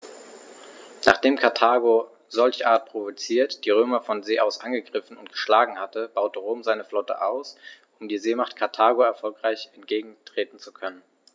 Nachdem Karthago, solcherart provoziert, die Römer von See aus angegriffen und geschlagen hatte, baute Rom seine Flotte aus, um der Seemacht Karthago erfolgreich entgegentreten zu können.